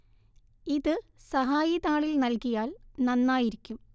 ഇത് സഹായി താളിൽ നൽകിയാൽ നന്നായിരിക്കും